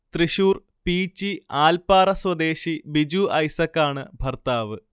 തൃശൂർ പീച്ചി ആൽപ്പാറ സ്വദേശി ബിജു ഐസകാണ് ഭർത്താവ്